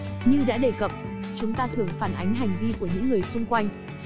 như đã đề cập chúng ta thường phản ánh hành vi của những người xung quanh